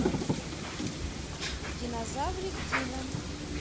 динозаврик дино